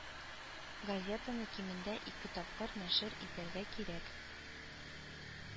Газетаны кимендә ике тапкыр нәшер итәргә кирәк